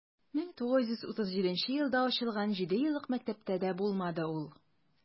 1937 елда ачылган җидееллык мәктәптә дә булмады ул.